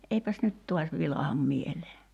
eipäs nyt taas vilahda mieleen